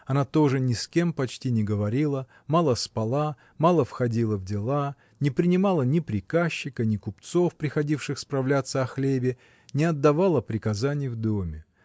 Она тоже ни с кем почти не говорила, мало спала, мало входила в дела, не принимала ни приказчика, ни купцов, приходивших справляться о хлебе, не отдавала приказаний в доме.